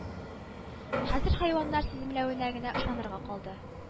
Хәзер хайваннар сиземләвенә генә ышанырга калды